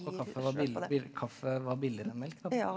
så kaffe var kaffe var billigere enn melk da?